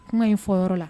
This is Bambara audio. Kuma in fɔ yɔrɔ la